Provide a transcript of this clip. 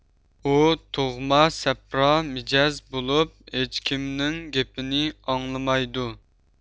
ئۇ تۇغما سەپرا مىجەز بولۇپ ھېچكىمنىڭ گېپىنى ئاڭلىمايدۇ